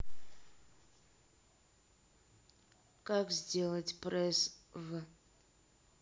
как сделать пресс в